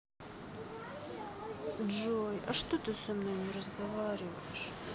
джой а что ты со мной не разговариваешь